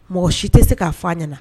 Mɔgɔ si tɛ se k'a fɔ a ɲɛna